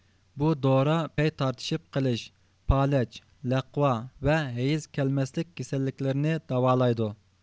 بۇ دورا پەي تارتىشىپ قېلىش پالەچ لەقۋا ۋە ھەيز كەلمەسلىك كېسەللىكلىرىنى داۋالايدۇ